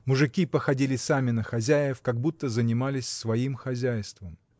Мужики походили сами на хозяев, как будто занимались своим хозяйством.